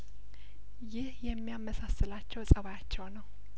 ይህ የሚያመሳስላቸው ጸባያቸው ነው